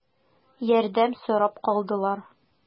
Ярдәм сорап калдылар.